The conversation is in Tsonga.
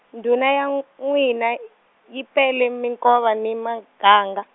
ndhuna ya n- n'wina, y- yi pele, minkova, ni maganga.